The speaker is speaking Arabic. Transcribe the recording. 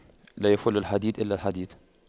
لا يَفُلُّ الحديد إلا الحديد